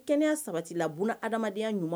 U kɛnɛya sabati la bolouna hadamadenya ɲuman